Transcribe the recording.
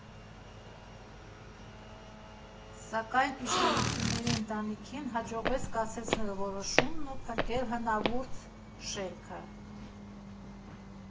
Սակայն Իշխանյանների ընտանիքին հաջողվեց կասեցնել որոշումն ու փրկել հնավուրց շենքը։